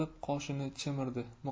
qoshini chimirdi